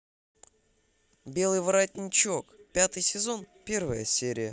белый воротничок пятый сезон первая серия